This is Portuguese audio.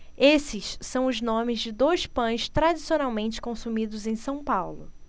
esses são os nomes de dois pães tradicionalmente consumidos em são paulo